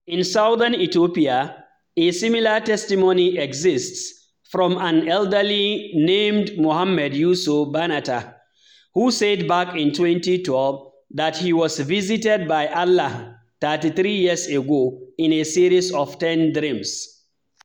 In southern Ethiopia, a similar testimony exists from an elder named Mohammed Yiso Banatah, who said back in 2012 that he was visited by Allah 33 years ago in a series of ten dreams.